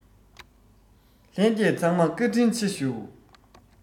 ལྷན རྒྱས ཚང མ བཀའ དྲིན ཆེ ཞུ